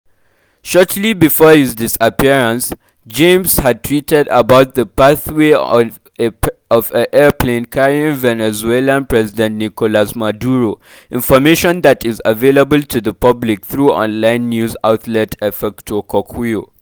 Shortly before his disappearance, Jaimes had tweeted about the pathway of an airplane carrying Venezuelan President Nicolas Maduro, information that is available to the public through online news outlet Efecto Cocuyo.